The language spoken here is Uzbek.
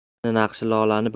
siz naqshi lolani